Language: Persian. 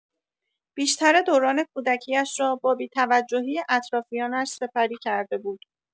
بیشتر دوران کودکی‌اش را با بی‌توجهی اطرافیانش سپری کرده بود.